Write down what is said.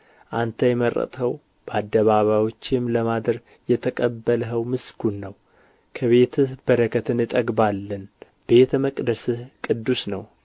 አንተ የመረጥኸው በአደባባዮችህም ለማደር የተቀበልኸው ምስጉን ነው ከቤትህ በረከት እንጠግባለን ቤተ መቅደስህ ቅዱስ ነው